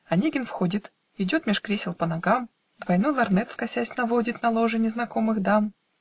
Онегин входит, Идет меж кресел по ногам, Двойной лорнет скосясь наводит На ложи незнакомых дам